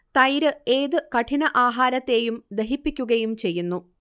തൈര് ഏത് കഠിന ആഹാരത്തെയും ദഹിപ്പിക്കുകയും ചെയ്യുന്നു